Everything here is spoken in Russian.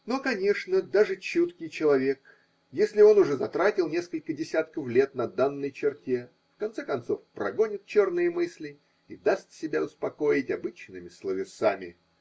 Но, конечно, даже чуткий человек, если он уже затратил несколько десятков лет на данной черте, в конце концов прогонит черные мысли и даст себя успокоить обычными словесами.